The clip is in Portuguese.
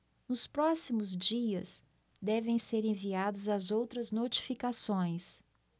nos próximos dias devem ser enviadas as outras notificações